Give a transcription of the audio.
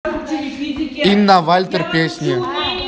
инна вальтер песни